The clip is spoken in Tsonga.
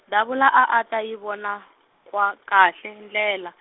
Davula a a ta yi vona, kwa kahle ndlela.